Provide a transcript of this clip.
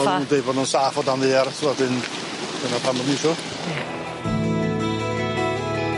O'n nw'n deud bo' nw'n saff o dan ddaear so wedyn dyna pam ma'n iwso. Ie.